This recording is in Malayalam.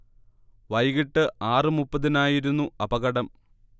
വൈകിട്ട് ആറ് മുപ്പതിനായിരുന്നു അപകടം